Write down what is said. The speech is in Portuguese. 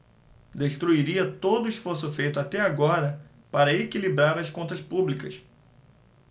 destruiria todo esforço feito até agora para equilibrar as contas públicas